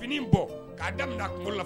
Fini bɔ k' daminɛ kungo la